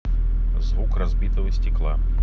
звук разбитого стекла